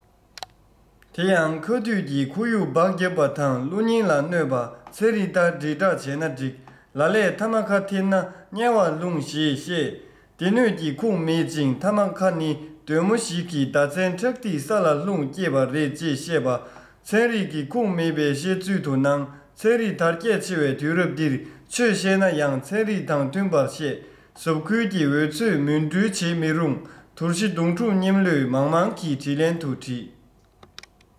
དེ ཡང ཁ དུད ཀྱིས འཁོར ཡུག སྦགས རྒྱབ པ དང གློ སྙིང ལ གནོད པ ཚན རིག ལྟར དྲིལ སྒྲོགས བྱས ན འགྲིག ལ ལས ཐ མ ཁ འཐེན ན དམྱལ བར ལྟུང ཞེས བཤད སྡེ སྣོད ཀྱི ཁུངས མེད ཅིང ཐ མ ཁ ནི བདུད མོ ཞིག གི ཟླ མཚན ཁྲག ཐིག ས ལ ལྷུང སྐྱེས པ རེད ཅེས བཤད པ ཚན རིག གི ཁུངས མེད པའི བཤད ཚུལ དུ སྣང ཚན རིག དར རྒྱས ཆེ བའི དུས རབས འདིར ཆོས བཤད ན ཡང ཚན རིག དང མཐུན པར བཤད ཟབ ཁུལ གྱིས འོལ ཚོད མུན སྤྲུལ བྱེད མི རུང དོར ཞི གདོང དྲུག སྙེམས བློས མང མང གིས དྲིས ལན དུ བྲིས